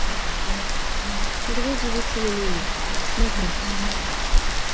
две девицы на мели смотреть